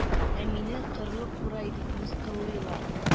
Ә мине кырлы курай дип мыскыллыйлар.